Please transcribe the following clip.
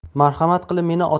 marhamat qilib meni